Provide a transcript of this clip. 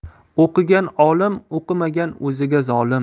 o'qigan olim o'qimagan o'ziga zolim